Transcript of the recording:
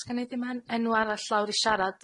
S'gen i ddim en- enw arall lawr i siarad.